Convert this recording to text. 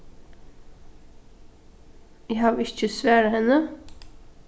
eg havi ikki svarað henni